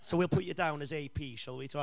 so we'll put you down as AP, shall we? Tibod?